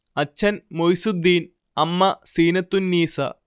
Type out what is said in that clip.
അച്ഛൻ മൊയ്സുദ്ദീൻ അമ്മ സീനത്തുന്നീസ